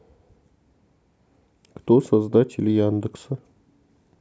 кто создатель яндекса